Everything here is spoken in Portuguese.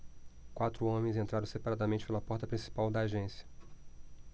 quatro homens entraram separadamente pela porta principal da agência